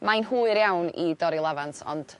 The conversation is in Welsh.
Mae'n hwyr iawn i dorri lafant ond